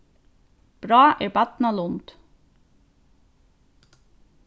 bráð er barna lund